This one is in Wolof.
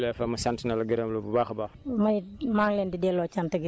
jërëjëf Ndeye Diagne rajo Jabi jula FM sant na la gërëm la bu baax a baax